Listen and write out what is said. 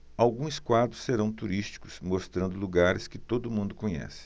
alguns quadros serão turísticos mostrando lugares que todo mundo conhece